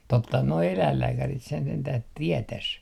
tottahan nuo eläinlääkärit sen sentään tietäisi